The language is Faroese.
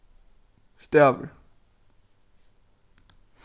stavir